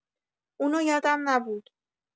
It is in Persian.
اونو یادم نبود